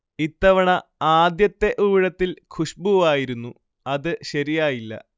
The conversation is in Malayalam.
ഇത്തവണ ആദ്യത്തെ ഊഴത്തിൽ ഖുശ്ബുവായിരുന്നു. അത് ശരിയായില്ല